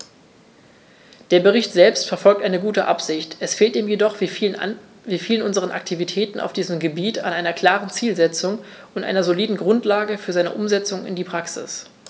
Der Bericht selbst verfolgt eine gute Absicht, es fehlt ihm jedoch wie vielen unserer Aktivitäten auf diesem Gebiet an einer klaren Zielsetzung und einer soliden Grundlage für seine Umsetzung in die Praxis.